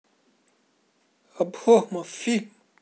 обломов фильм